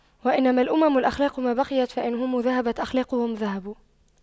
وإنما الأمم الأخلاق ما بقيت فإن هم ذهبت أخلاقهم ذهبوا